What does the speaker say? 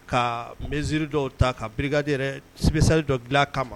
Ka mesure dɔw ta ka brigade yɛrɛ spéciale dɔ gilan